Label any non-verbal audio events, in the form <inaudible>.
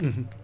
<hesitation> <hesitation>